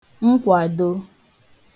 nkwàdo